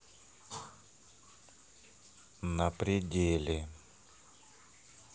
на пределе